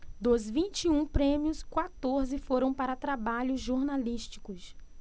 dos vinte e um prêmios quatorze foram para trabalhos jornalísticos